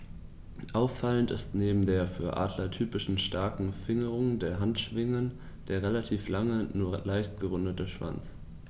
Auffallend ist neben der für Adler typischen starken Fingerung der Handschwingen der relativ lange, nur leicht gerundete Schwanz.